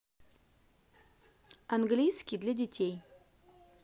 английский для детей